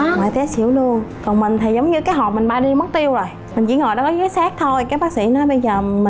ngoại té xỉu luôn còn mình thì giống như cái hồn mình bay đi mất tiêu rồi mình chỉ ngồi đó dới xác thôi cái bác sĩ nói bây giờ mình